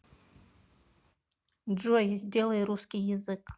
джой сделай русский язык